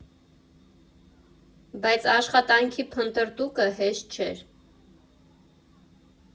Բայց աշխատանքի փնտրտուքը հեշտ չէր։